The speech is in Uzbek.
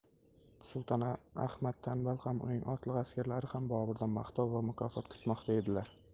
sulton ahmad tanbal ham uning otliq askarlari ham boburdan maqtov va mukofot kutmoqda edilar